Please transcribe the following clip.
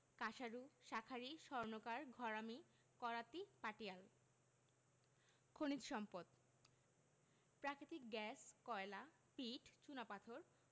কাঁসারু শাঁখারি স্বর্ণকার ঘরামি করাতি পাটিয়াল খনিজ সম্পদঃ প্রাকৃতিক গ্যাস কয়লা পিট চুনাপাথর